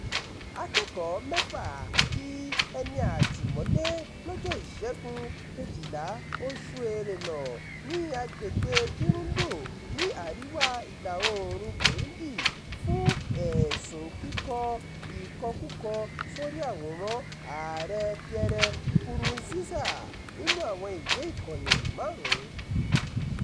Akẹ́kọ̀ọ́ mẹ́fà di ẹni àtìmọ́lé lọjọ́ Ìṣẹ́gun 12, oṣù Ẹrẹ́nà ní agbègbè Kirundo ní Àríwá Ìlà-oòrùn Burundi fún ẹ̀sùn-un kíkọ ìkọkúkọ sórí àwòrán Ààrẹ Pierre Nkurunziza nínú àwọn ìwé ìkọ́ni márùn-ún.